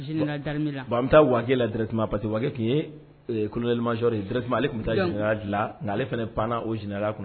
Bɛ taa la pa tunma tun ale tun taa dilan ale fana pan o j kɔnɔ